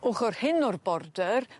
Ochor hyn o'r border